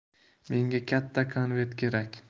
menga katta konvert kerak